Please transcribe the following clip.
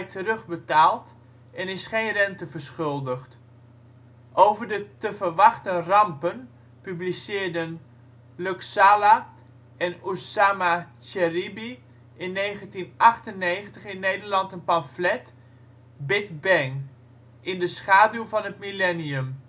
terugbetaald en is geen rente verschuldigd. Over de te verwachten rampen publiceerden Luc Sala en Oussama Cherribi in 1998 in Nederland een pamflet: Bit Bang: in de schaduw van het millennium